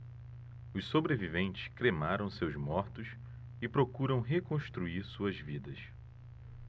os sobreviventes cremaram seus mortos e procuram reconstruir suas vidas